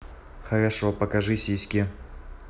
хорошо покажи сиськи